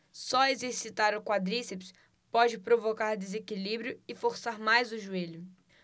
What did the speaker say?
só exercitar o quadríceps pode provocar desequilíbrio e forçar mais o joelho